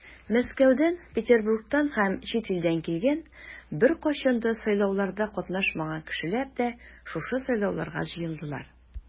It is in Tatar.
Мәскәүдән, Петербургтан һәм чит илдән килгән, беркайчан да сайлауларда катнашмаган кешеләр дә шушы сайлауларга җыелдылар.